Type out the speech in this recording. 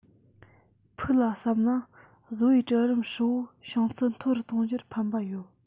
ཕུགས ལ བསམས ན བཟོ པའི གྲལ རིམ ཧྲིལ པོའི བྱང ཚད མཐོ རུ གཏོང རྒྱུར ཕན པ ཡོད